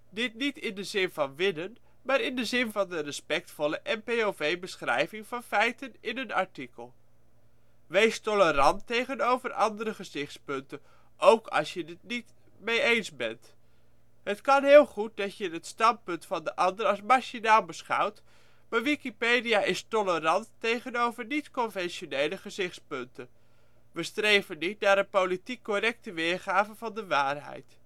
Dit niet in de zin van winnen, maar in de zin van een respectvolle NPOV beschrijving van feiten in een artikel. Wees tolerant tegenover andere gezichtspunten, ook als je het er niet mee eens bent. Het kan heel goed dat je het standpunt van de ander als marginaal beschouwt, maar wikipedia is tolerant tegenover niet-conventionele gezichtspunten. We streven niet naar een ' politiek correcte ' weergave van de waarheid